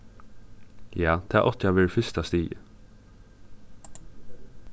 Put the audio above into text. ja tað átti at verið fyrsta stigið